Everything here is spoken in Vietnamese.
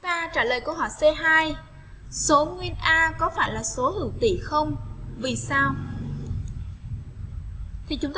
chúng ta trả lời câu hỏi c số nguyên a có phải là số hữu tỉ không vì sao